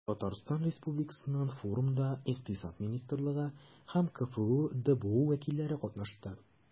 Татарстан Республикасыннан форумда Икътисад министрлыгы һәм КФҮ ДБУ вәкилләре катнашты.